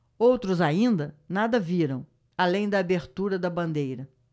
outros ainda nada viram além da abertura da bandeira